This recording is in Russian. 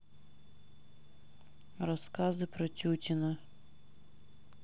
рассказы про титюнина